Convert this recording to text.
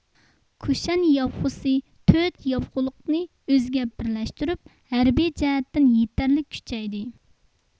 كۇشان يابغۇسى تۆت يابغۇلۇقنى ئۆزىگە بىرلەشتۈرۈپ ھەربىي جەھەتتىن يېتەرلىك كۈچەيدى